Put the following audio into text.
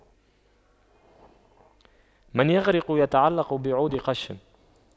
من يغرق يتعلق بعود قش